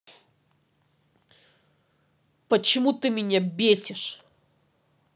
почему ты меня бесишь